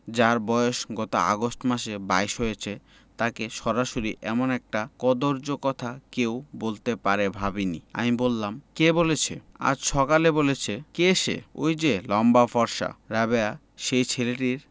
যার বয়স গত আগস্ট মাসে বাইশ হয়েছে তাকে সরাসরি এমন একটি কদৰ্য কথা কেউ বলতে পারে ভাবিনি আমি বললাম কে বলেছে আজ সকালে বলেছে কে সে ঐ যে লম্বা ফর্সা রাবেয়া সেই ছেলেটির